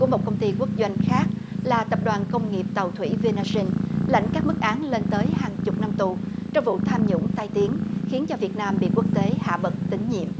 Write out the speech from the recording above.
của một công ty quốc doanh khác là tập đoàn công nghiệp tàu thủy vi na sin lãnh các mức án lên tới hàng chục năm tù trong vụ tham nhũng tai tiếng khiến cho việt nam bị quốc tế hạ bậc tín nhiệm